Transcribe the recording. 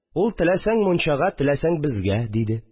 Ул: «Теләсәң мунчага, теләсәң безгә», – диде